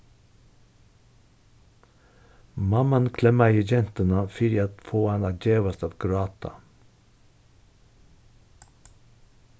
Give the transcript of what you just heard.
mamman klemmaði gentuna fyri at fáa hana at gevast at gráta